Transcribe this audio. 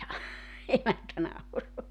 emäntä nauraa